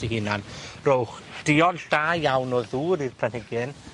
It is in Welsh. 'u hunan. Rowch da iawn o ddŵr i'r planhigyn.